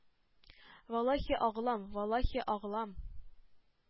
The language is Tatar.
-валлаһи әгълам, валлаһи әгълам.